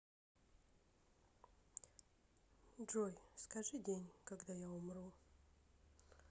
джой скажи день когда я умру